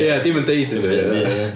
Ia 'di hi'm yn deud dim byd.